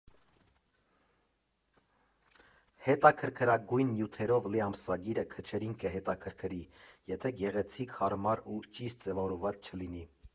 Հետաքրքրագույն նյութերով լի ամսագիրը քչերին կհետաքրքրի, եթե գեղեցիկ, հարմար ու ճիշտ ձևավորված չլինի։